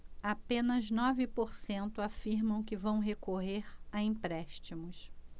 apenas nove por cento afirmam que vão recorrer a empréstimos